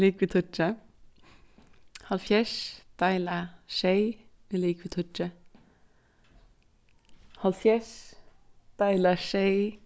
er ligvið tíggju hálvfjerðs deila sjey er ligvið tíggju hálvfjerðs deila sjey